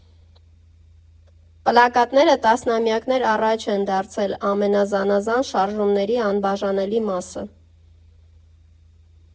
Պլակատները տասնամյակներ առաջ են դարձել ամենազանազան շարժումների անբաժանելի մասը։